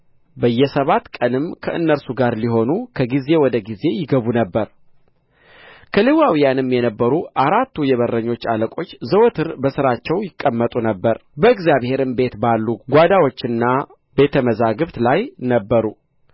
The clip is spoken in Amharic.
በየሰባትም ቀን ከእነርሱ ጋር ሊሆኑ ከጊዜ ወደ ጊዜ ይገቡ ነበር ከሌዋውያንም የነበሩ አራቱ የበረኞች አለቆች ዘወትር በሥራቸው ይቀመጡ ነበር በእግዚአብሔርም ቤት ባሉ ጓዳዎችና ቤተ መዛግብት ላይ ነበሩ